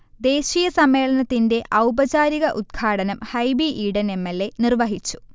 ദേശീയ സമ്മേളനത്തിന്റെ ഔപചാരിക ഉത്ഘാടനം Hibi Eden M. L. A. നിർവഹിച്ചു